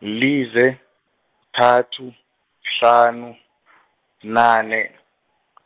lize, kuthathu, kuhlanu , bunane,